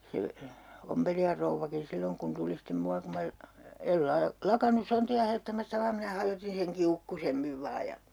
se ompelijan rouvakin silloin kun tuli sitten minua kun minä en - lakannut sontia hajottamasta vaan minä hajotin sen kiukkuisemmin vain ja